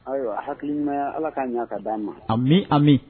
Ayiwa hakilikilimaya ala k'a ɲɔ a ka di' an ma amimi ami